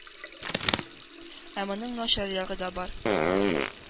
Ә моның начар ягы да бар.